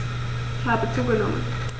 Ich habe zugenommen.